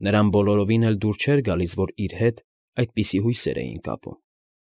Նրան բոլորովին էլ դուր չէր գալիս, որ իր հետ այդպիսի հույսեր էին կապում։